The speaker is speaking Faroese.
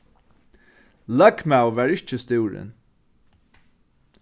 løgmaður var ikki stúrin